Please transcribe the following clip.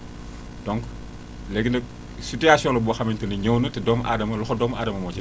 donc léegi nag situation la boo xamante ni ñëw na te doomu aadama loxo doomu aadama moom moo ci